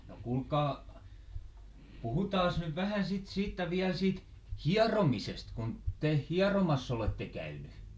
no kuulkaa puhutaanpas nyt vähän sitten siitä vielä siitä hieromisesta kun te hieromassa olette käynyt